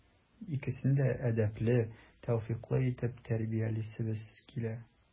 Икесен дә әдәпле, тәүфыйклы итеп тәрбиялисебез килә.